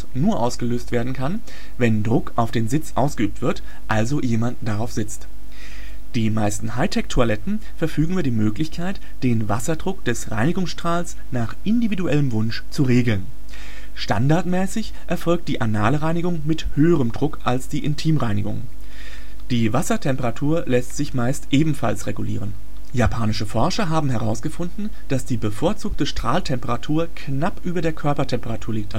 nur ausgelöst werden kann, wenn Druck auf den Sitz ausgeübt wird, also jemand darauf sitzt. Die meisten High-Tech-Toiletten verfügen über die Möglichkeit, den Wasserdruck des Reinigungsstrahls nach individuellem Wunsch zu regeln. Standardmäßig erfolgt die anale Reinigung mit höherem Druck als die Intimreinigung. Die Wassertemperatur lässt sich meist ebenfalls regulieren. Japanische Forscher haben herausgefunden, dass die bevorzugte Strahltemperatur knapp über der Körpertemperatur liegt